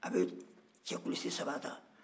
a' bɛ cɛkulusi saba ta